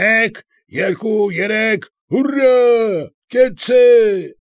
Մեկ, երկու, երեք, հուռա՜, կեցցե՜…